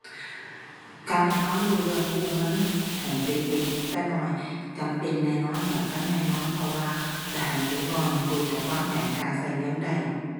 การให้ความรู้เรื่องกู้เงินให้เด็กเด็กแต่น้อยจำเป็นแน่นอน สำคัญแน่นอน เพราะว่าจะให้เด็กน้อยรู้จักวางแผนการใช้เงินได้